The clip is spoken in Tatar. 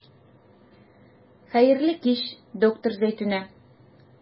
Хәерле кич, доктор Зәйтүнә.